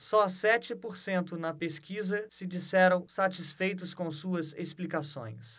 só sete por cento na pesquisa se disseram satisfeitos com suas explicações